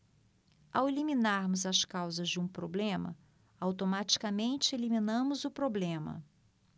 ao eliminarmos as causas de um problema automaticamente eliminamos o problema